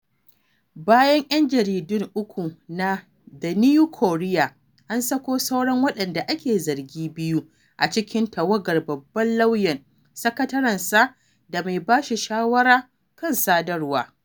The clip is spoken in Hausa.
Bayan ‘yan jaridun uku na The New Courier, an sako sauran waɗanda ake zargi biyu a cikin tawagar babban lauyan (sakatarensa da mai ba shi shawara kan sadarwa).